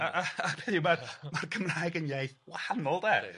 A a a hynny yw, ma'r Cymraeg yn iaith wahanol de.